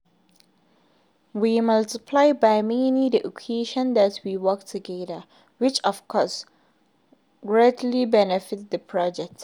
We multiplied by many the occasions that we worked together, which of course, greatly benefitted the project!